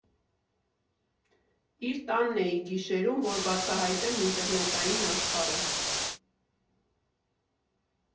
Իր տանն էի գիշերում, որ բացահայտեմ ինտերնետային աշխարհը։